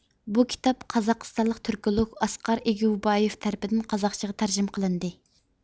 بۇ كىتاب قازاقىستانلىق تۈركولوگ ئاسقار ئېگېۋبايېۋ تەرىپىدىن قازاقچىغا تەرجىمە قىلىندى